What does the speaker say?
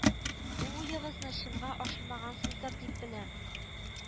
Бу уегызны чынга ашырмагансыздыр дип беләм